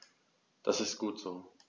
Das ist gut so.